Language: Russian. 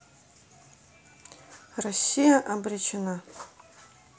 россия обречена